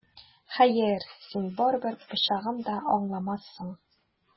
Хәер, син барыбер пычагым да аңламассың!